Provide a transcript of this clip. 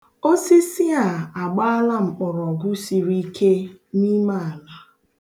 Osisi a agbaala mkpọrọgwụ siri ike n'ime ala.